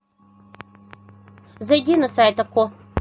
зайди на сайт okko